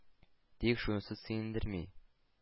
Тик шунысы сөендерми: